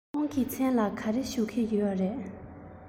ཁོང གི མཚན ལ ག རེ ཞུ གི ཡོད རེད